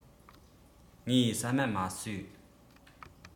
ངས ཟ མ མ ཟོས